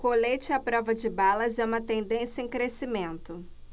colete à prova de balas é uma tendência em crescimento